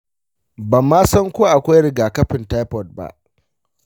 ban ma san ko akwai rigakafin taifoid ba.